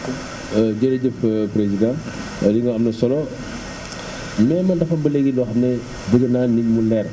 jërëjëf président li nga wax am na solo mais man dafa am ba léegi loo xam ne bëgg naa nii mu leer